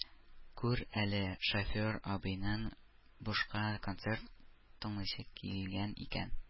Күр әле, шофер абыйның бушка концерт тыңлыйсы килгән икән